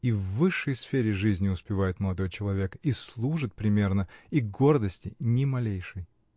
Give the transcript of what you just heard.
И в высшей сфере жизни успевает молодой человек, и служит примерно, и гордости ни малейшей.